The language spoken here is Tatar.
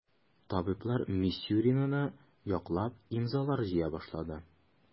Табиблар Мисюринаны яклап имзалар җыя башлады.